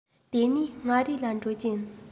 དེ ནས མངའ རིས ལ འགྲོ རྒྱུ ཡིན